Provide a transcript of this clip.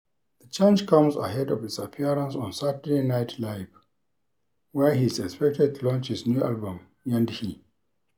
The change comes ahead of his appearance on Saturday Night Live, where he is expected to launch his new album Yandhi.